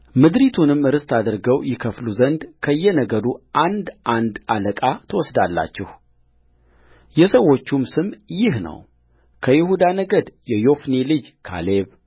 ምድሪቱንም ርስት አድርገው ይከፍሉ ዘንድ ከየነገዱ አንድ አንድ አለቃ ትወስዳላችሁየሰዎቹም ስም ይህ ነው ከይሁዳ ነገድ የዮፎኒ ልጅ ካሌብ